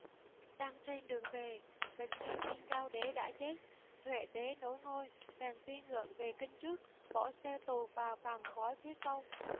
đang trên đường về bình nghe tin cao đế đã chết huệ đế nối ngôi bèn phi ngựa về kinh trước bỏ xe tù và phàn khoái phía sau